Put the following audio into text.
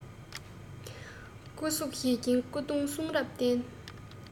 སྐུ གཟུགས ཞལ སྐྱིན སྐུ གདུང གསུང རབ རྟེན